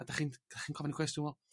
A dach chi'n dach chi'n gofyn y cwestiwn wel